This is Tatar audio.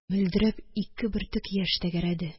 Мөлдерәп ике бөртек яшь тәгәрәде